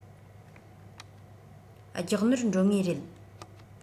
རྒྱག ནོར འགྲོ ངེས རེད